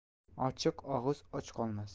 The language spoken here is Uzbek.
ochiq og'iz och qolmas